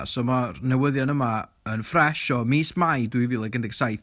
So ma'r newyddion yma yn ffres o mis Mai dwy fil ac un deg saith.